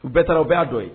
U bɛɛ taara u bɛɛ'a dɔ ye